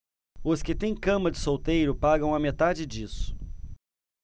os que têm cama de solteiro pagam a metade disso